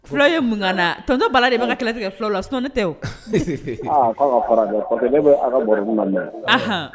Fula ye mun natɔnontɔ bala de bɛ ka kɛlɛtigɛ fila la sɔn ne tɛ